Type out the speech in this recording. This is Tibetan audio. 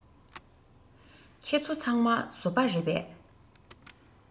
ཁྱེད ཚོ ཚང མ བཟོ པ རེད པས